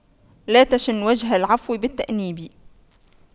لا تشن وجه العفو بالتأنيب